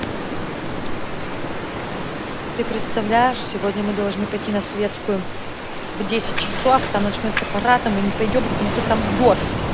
ты представляешь сегодня мы должны пойти на советскую в десять часов там начнется парад а мы не пойдем потому что там дождь